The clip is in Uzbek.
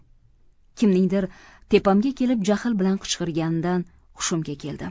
kimningdir tepamga kelib jahl bilan qichqirganidan hushimga keldim